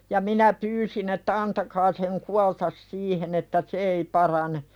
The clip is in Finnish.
ja minä pyysin että antakaa sen kuolla siihen että se ei parane